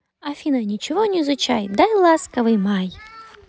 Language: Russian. афина ничего не изучай дай ласковый май